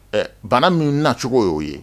Ɛ bana min nacogo y' oo ye